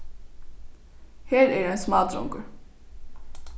her er ein smádrongur